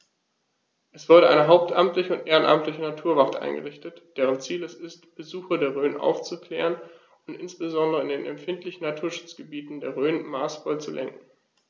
Es wurde eine hauptamtliche und ehrenamtliche Naturwacht eingerichtet, deren Ziel es ist, Besucher der Rhön aufzuklären und insbesondere in den empfindlichen Naturschutzgebieten der Rhön maßvoll zu lenken.